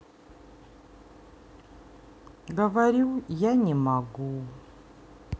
говорю я не могу